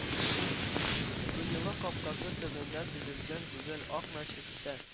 Тыюлык капкасы төбендә төзелгән гүзәл Ак мәчеттә